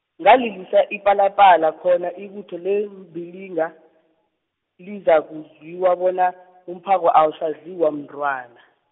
ngalilisa ipalapala khona ibutho leembiliga, lizakwizwa bona, umphako awusadliwa mntwana.